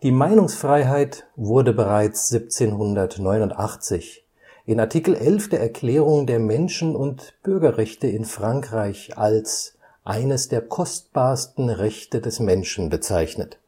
Meinungsfreiheit wurde bereits 1789 in Art. 11 der Erklärung der Menschen - und Bürgerrechte in Frankreich als « un des droits les plus précieux de l’ Homme » (deutsch: „ eines der kostbarsten Rechte des Menschen “) bezeichnet